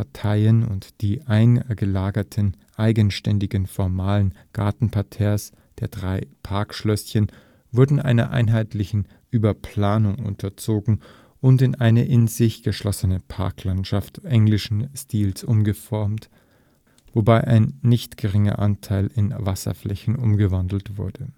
Partien und die eingelagerten, eigenständigen, formalen Gartenparterres der drei Parkschlösschen wurden einer einheitlichen Überplanung unterzogen und in eine in sich geschlossene Parklandschaft englischen Stils umgeformt, wobei ein nicht geringer Anteil in Wasserflächen umgewandelt wurde